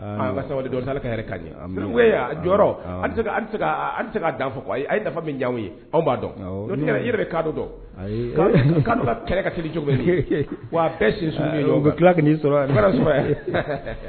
Ka ka jɔ ale se ka dan fɔ ayi ye nafa min ye b'a dɔn yɛrɛ bɛ ka don dɔn ka cogo wa tila sɔrɔ sɔrɔ